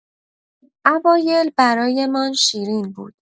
اوایل برایمان شیرین بود.